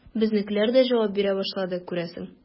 Безнекеләр дә җавап бирә башладылар, күрәсең.